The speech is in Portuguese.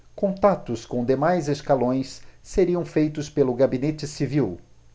contatos com demais escalões seriam feitos pelo gabinete civil